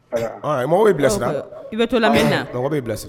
Mɔgɔ bɛ'i bilasira i bɛ to lamɛn na mɔgɔ bɛ' bilasira